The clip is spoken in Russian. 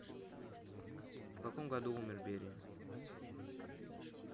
в каком году умер берия